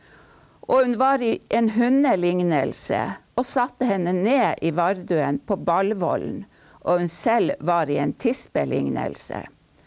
og hun var i en hundelignelse og satte henne ned i Vardøen på Ballvollen, og hun selv var i en tispelignelse.